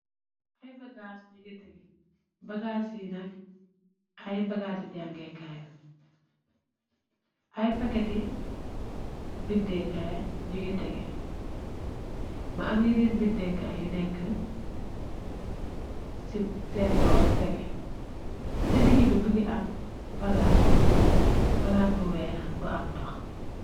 Ay bagaas ñungi tegee, bagaas yi nak ay bagaas ci jangekaay la, ay pakati bindeekaay ñungi tege, mu am yeneen bindekaay yu nekk ci seen boor tege, ci digg bi mingi am palaat, palaat bu weex bu am ndox.